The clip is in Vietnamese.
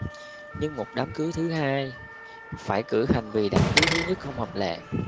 nhưng một đám cưới thư hai phải cử hành vì đám cưới thứ nhất không hợp lệ